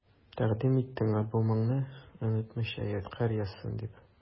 Тәкъдим иттең альбомыңны, онытмыйча ядкарь язсын дип.